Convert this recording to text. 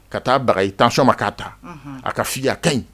Ka taa baga i tansoma k'a ta a ka fini a ka ɲi